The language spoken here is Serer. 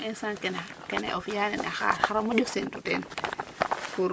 so instant kene o fiya nene xara moƴo seetu teen